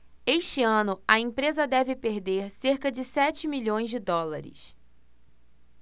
este ano a empresa deve perder cerca de sete milhões de dólares